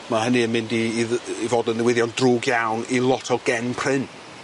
ma' hynny yn mynd i i dd- i fod yn newyddion drwg iawn i lot o gen prin.